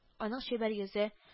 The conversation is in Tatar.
Аның чибәр йөзе